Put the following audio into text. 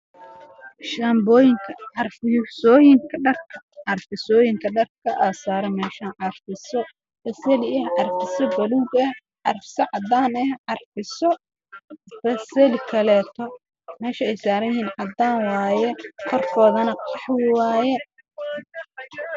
Shaamboyin iyo carfisoyin dharka